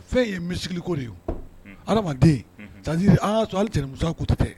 Fɛn in ye muscle ko de ye hadamaden c'est à dire an k'a to hali cɛnimusoya coté tɛ